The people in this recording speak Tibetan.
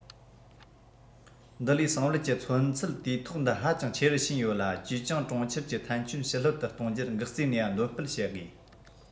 འདི ལོའི སྲིང བལ གྱི ཐོན ཚད དུས ཐོག འདི ཧ ཅང ཆེ རུ ཕྱིན ཡོད ལ ཅིའུ ཅང གྲོང ཁྱེར གྱི ཐན སྐྱོན ཞི ལྷོད དུ གཏོང རྒྱུར འགག རྩའི ནུས པ འདོན སྤེལ བྱ དགོས